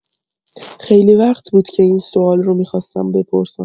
خیلی وقت بود که این سوال رو می‌خواستم بپرسم!